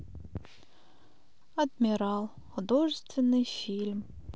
адмирал художественный фильм